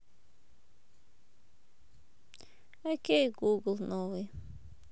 окей гугл новый